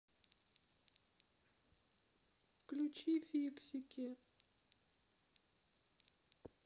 включи фиксики